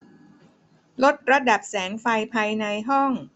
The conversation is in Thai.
ลดระดับแสงไฟภายในห้อง